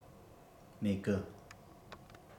མེད གི